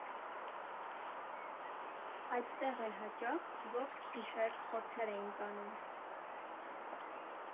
Այդտեղ էլ հաճախ ողջ գիշեր փորձեր էինք անում։